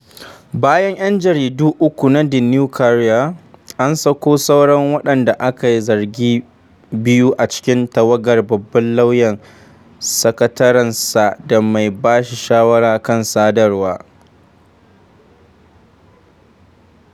Bayan ‘yan jaridun uku na The New Courier, an sako sauran waɗanda ake zargi biyu a cikin tawagar babban lauyan (sakatarensa da mai ba shi shawara kan sadarwa).